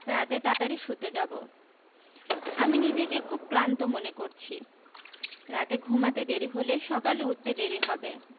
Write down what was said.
রাতে তাড়াতাড়ি শুতে যাব আমি নিজেকে খুব ক্লান্ত মনে করছি রাতে ঘুমাতে দেরি হলে সকালে উঠতে দেরি হবে